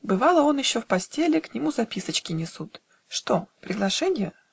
Бывало, он еще в постеле: К нему записочки несут. Что? Приглашенья?